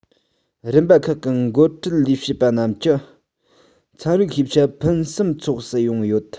རིམ པ ཁག གི འགོ ཁྲིད ལས བྱེད པ རྣམས ཀྱི ཚན རིག ཤེས བྱ ཕུན སུམ ཚོགས སུ ཡོང ཡོད